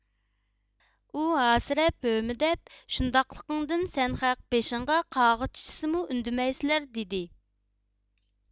ئۇ ھاسىراپ ھۆمۈدەپ شۇنداقلىقىڭدىن سەن خەق بېشىڭغا قاغا چىچسىمۇ ئۈندىمەيسىلەر دېدى